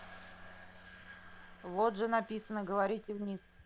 вот же написано говорите внизу